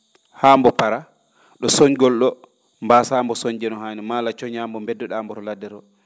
haa mbo para ?o soñgol ?o mbaasaa mbo soñde no haani maa walla cooñaa mbo mbeddo ?aa mbo to ladde roo